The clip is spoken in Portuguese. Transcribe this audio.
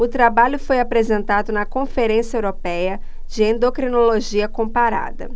o trabalho foi apresentado na conferência européia de endocrinologia comparada